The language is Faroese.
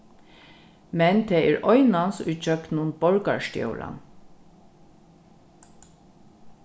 men tað er einans ígjøgnum borgarstjóran